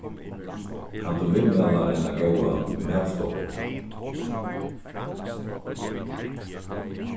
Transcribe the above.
kann tú viðmæla eina góða matstovu